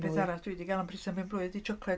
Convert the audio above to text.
Peth arall dwi 'di cael yn presant pen-blwydd ydi tsiocled.